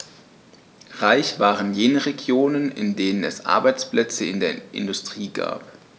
Reich waren jene Regionen, in denen es Arbeitsplätze in der Industrie gab.